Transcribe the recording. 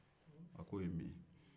a ko o ye mun ye